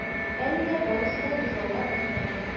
Әлегә барысы да бозаулап бетмәгән.